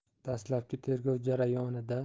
dastlabki tergov jarayonida